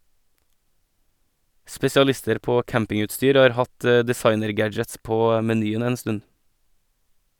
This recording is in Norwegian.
Spesialister på campingutstyr har hatt designergadgets på menyen en stund.